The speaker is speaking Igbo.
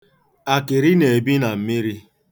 Akịrị na-ebi n'ime mmiri.